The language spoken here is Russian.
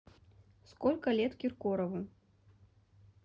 сколько лет киркорову